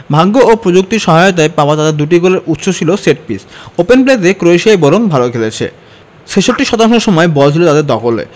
ভাগ্য ও প্রযুক্তির সহায়তায় পাওয়া তাদের দুটি গোলের উৎস ছিল সেটপিস ওপেন প্লেতে ক্রোয়েশিয়াই বরং ভালো খেলেছে ৬৬ শতাংশ সময় বল ছিল তাদের দখলে